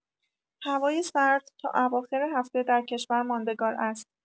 هوای سرد تا اواخر هفته در کشور ماندگار است.